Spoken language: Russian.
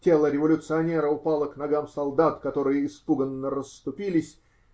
Тело революционера упало к ногам солдат, которые испуганно расступились.